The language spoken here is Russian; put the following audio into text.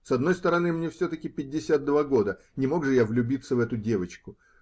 С одной стороны, мне все-таки пятьдесят два года, и не мог же я влюбиться в эту девочку